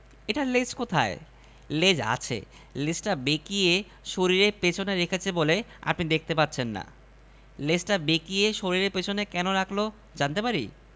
কুমিরের বিশাল ছবি সিদ্দিক সাহেবের নির্বাচনী অফিসের সামনে টানিয়ে দেয়া হল